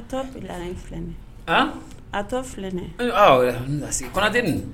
A ye filɛ a tɔ filɛɛnɛ kɔnte ninnu